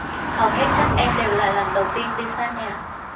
hầu hết các em đều là lần đầu tiên đi xa nhà